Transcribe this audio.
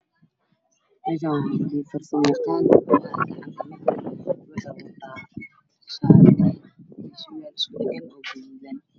Meeshaan waxaa ku farsamaysan shaati madow iyo surwaal yar oo cadaan ah